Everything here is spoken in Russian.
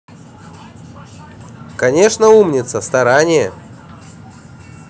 конечно умница старание